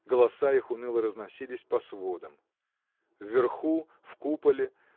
голоса их уныло разносились по сводам. Вверху в куполе